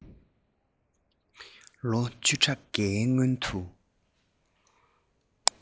ལོ བཅུ ཕྲག འགའི སྔོན དུ